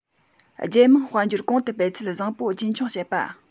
རྒྱལ དམངས དཔལ འབྱོར གོང དུ སྤེལ ཚུལ བཟང པོ རྒྱུན འཁྱོངས བྱེད པ